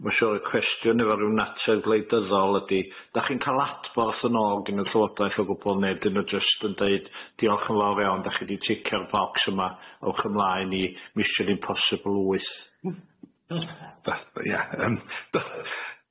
Ma' siŵr y cwestiwn efo ryw natur gwleidyddol ydi dach chi'n ca'l adborth yn ôl gin y llywodraeth o gwbwl ne' 'dyn nw jyst yn deud diolch yn fawr iawn dach chi di ticio'r bocs yma owch ymlaen i Mission Impossible wyth?